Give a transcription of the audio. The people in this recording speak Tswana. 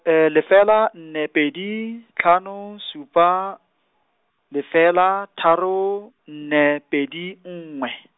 lefela nne pedi, tlhano supa, lefela, tharo, nne, pedi, nngwe.